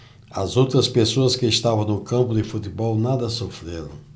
as outras pessoas que estavam no campo de futebol nada sofreram